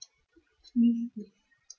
Nächstes.